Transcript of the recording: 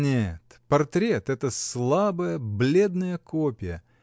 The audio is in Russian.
— Нет, портрет — это слабая, бледная копия